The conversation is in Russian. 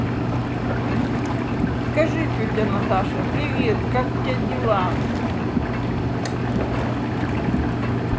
скажи тетя наташа привет как у тебя дела